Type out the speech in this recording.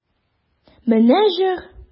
Менә җор!